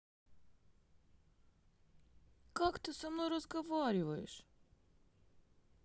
как ты со мной разговариваешь